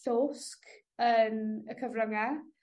llosg yn y cyfrynge.